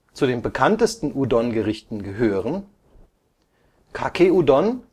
sollen. Zu den bekanntesten Udon-Gerichten gehören: Kake Udon